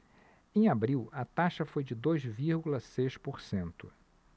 em abril a taxa foi de dois vírgula seis por cento